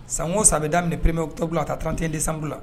San wo san a bi daminɛ 1 octobre ka ta 31 décembre la.